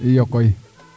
iyo koy